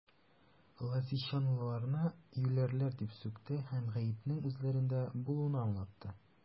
Лозищанлыларны юләрләр дип сүкте һәм гаепнең үзләрендә булуын аңлатты.